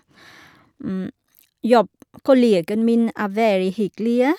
jobb Kollegene mine er veldig hyggelige.